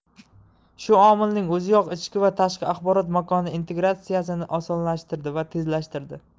shu omilning o'ziyoq ichki va tashqi axborot makoni integratsiyasini osonlashtirdi va tezlashtirdi